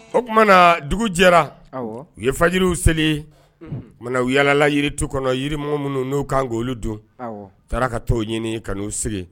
O tumaumana na dugu jɛra u ye fajiw seli u yaala yiri tu kɔnɔ yirim minnu n'u kan ngo don taara ka taa ɲini ka n'u sigi